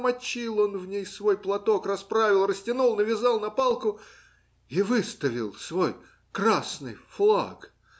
намочил он в ней свой платок, расправил, растянул, навязал на палку и выставил свой красный флаг.